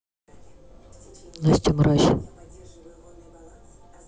настя мразь